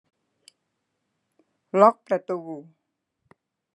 ล็อกประตู